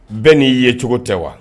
Bɛɛ n'i ye cogo tɛ wa